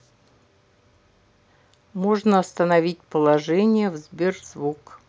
можно остановить положение в сбер звук